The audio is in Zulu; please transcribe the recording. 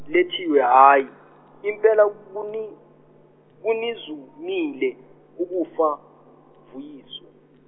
lethiwe hhayi, impela kuni kunizumile ukufa Vuyiswa.